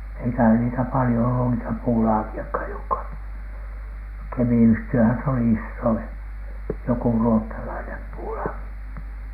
eikä niitä paljon ollut niitä puulaakejakaan jotka Kemiyhtiöhän se oli isoin joku ruotsalainen puulaaki